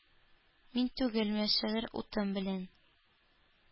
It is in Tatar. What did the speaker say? Мин түгелме шигырь утым белән